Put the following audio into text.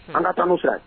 An ka tanu sa